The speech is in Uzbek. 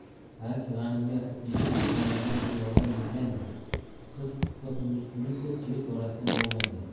balki g'animga asadbekning yaqinlaridan biri yordam bergandir qiz kuppa kunduz kuni ko'pchilik orasidan o'g'irlangan